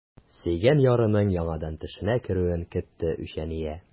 Сөйгән ярының яңадан төшенә керүен көтте үчәния.